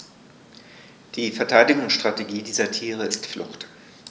Die Verteidigungsstrategie dieser Tiere ist Flucht.